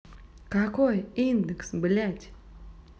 какой индекс блядь